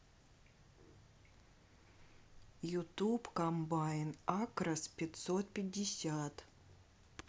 ютуб комбайн акрос пятьсот пятьдесят